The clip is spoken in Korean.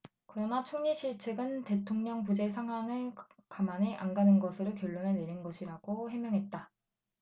그러나 총리실측은 대통령 부재 상황을 감안해 안 가는 것으로 결론을 내린 것이라고 해명했다